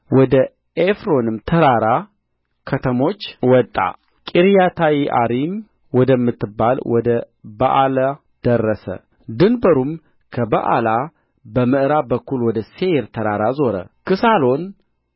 ወደ ዔፍሮንም ተራራ ከተሞች ወጣ ቂርያትይዓሪም ወደምትባል ወደ በኣላ ደረሰ ድንበሩም ከበኣላ በምዕራብ በኩል ወደ ሴይር ተራራ ዞረ ክሳሎን